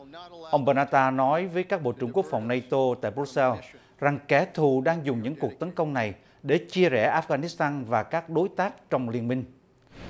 ông bờ la ta nói với các bộ trưởng quốc phòng nây tô tại bút seo rằng kẻ thù đang dùng những cuộc tấn công này để chia rẽ áp ga nít sang và các đối tác trong liên minh